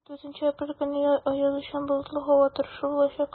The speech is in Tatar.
4 апрель көнне аязучан болытлы һава торышы булачак.